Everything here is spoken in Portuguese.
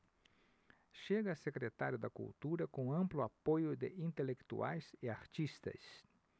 chega a secretário da cultura com amplo apoio de intelectuais e artistas